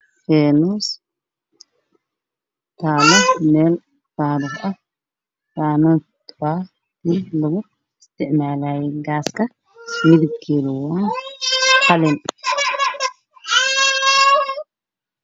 Waa faynuuska midabkeedu yahay madow